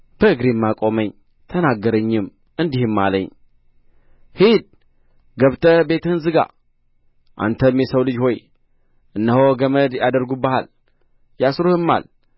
በእግሬም አቆመኝ ተናገረኝም እንዲህም አለኝ ሂድ ገብተህ ቤትህን ዝጋ አንተም የሰው ልጅ ሆይ እነሆ ገመድ ያደርጉብሃል ያስሩህማል